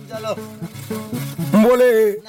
'